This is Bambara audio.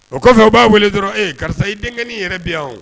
O kɔfɛ u b'a wele dɔrɔn, e karisa i denkɛni yɛrɛ bi yan o